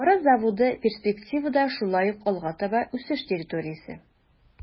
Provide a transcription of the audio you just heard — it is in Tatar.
Дары заводы перспективада шулай ук алга таба үсеш территориясе.